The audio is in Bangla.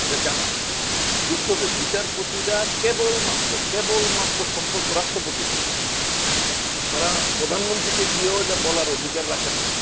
এটা জানার বুঝতে হবে বিচারপতিরা কেবলমাত্র কেবলমাত্র সম্পর্ক রাস্ট্রপতির সাথে তারা প্রধানমন্ত্রীকে গিয়েও এটা বলার অধিকার রাখে না